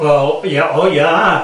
Wel ia- o ia!